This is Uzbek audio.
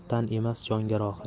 tan emas jonga rohat